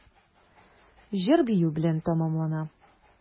Җыр-бию белән тәмамлана.